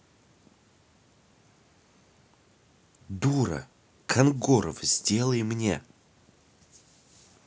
дура коногоров сделай мне